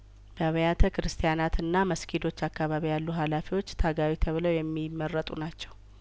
በአብያተ ክርስቲያናትና መስጊዶች አካባቢ ያሉ ሀላፊዎች ታጋዮች ተብለው የሚመረጡ ናቸው